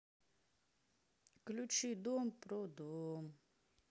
включи дом про дом